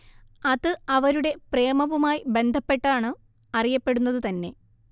അത് അവരുടെ പ്രേമവുമായി ബന്ധപ്പെട്ടാണ് അറിയപ്പെടുന്നതു തന്നെ